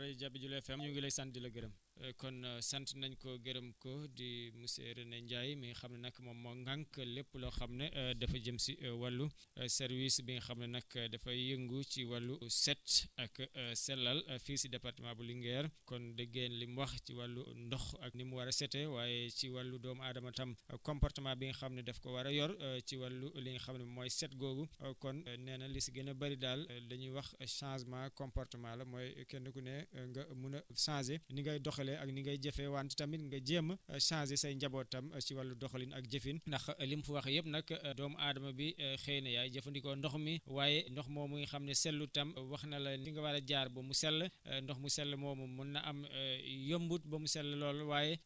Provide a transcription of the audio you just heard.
jërëjëf monsieur René rajo Jabi jula FM ak population bi di déglu rajo jabi jula FM ñu ngi lay sant di la gërëm kon sant naénu ko gërëm ko di monsieur René Ndiaye mi nga xam ne nag moom moom ŋànk lépp loo xam ne dafa jëm ci wàllu service bi nga xam ne nag dafay yëngu si wàllu set ak sellal fii si département bu Linguère kon dégg ngeen li mu wax ci wàllu ndox ak ni mu war a setee waaye si wàllu doomu aadama tam comportement bi nga xam ne daf ko war a yor ci wàllu li nga xam ne mooy set googu kon nee na li si gën a bëri daal li ñuy wax changement comportement la mooy kenn ku ne nga mun a changé ni ngay doxalee ak ni ngay jëfee wante tamit nga jéem a changé say njaboot tam si wàllu doxalin ak jëfin ndax lim fi wax yëpp nag doomu aadama bi xëy na yaay jëfandikoo ndox mi waaye ndox moomu nga xam ne sellul tam wax na la ni nga war a jaar ba mu sell